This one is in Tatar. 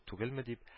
Түгелме дип